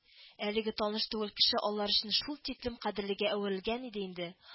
Әлеге таныш түгел кеше алар өчен шул тиклем кадерлегә әверелгән иде инде